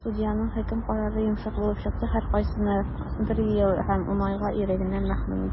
Судьяның хөкем карары йомшак булып чыкты - һәркайсына бер ел һәм 10 айга ирегеннән мәхрүм итү.